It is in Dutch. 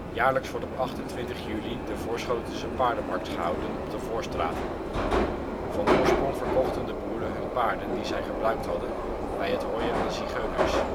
Jaarlijks wordt op 28 juli de Voorschotense Paardenmarkt gehouden op de Voorstraat. Van oorsprong verkochten de boeren hun paarden die zij gebruikt hadden bij het hooien aan zigeuners